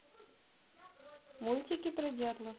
мультики про дятлов